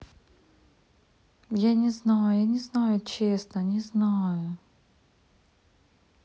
я не знаю я не знаю честно не знаю